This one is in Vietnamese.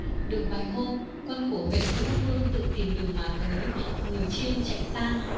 được vài hôm quân của huệ vũ vương tự tìm đường mà tới người chiêm chạy tan